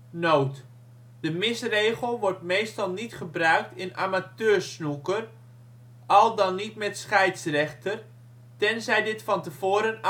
Noot: De missregel wordt meestal niet gebruikt in amateursnooker, al dan niet met scheidsrechter, tenzij dit van tevoren